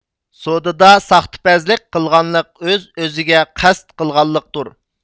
سودىدا ساختىپەزلىك قىلغانلىق ئۆز ئۆزىگە قەست قىلغانلىقتۇر